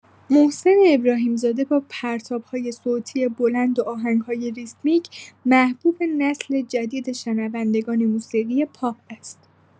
محسن ابراهیم‌زاده با پرتاب‌های صوتی بلند و آهنگ‌های ریتمیک، محبوب نسل جدید شنوندگان موسیقی پاپ است.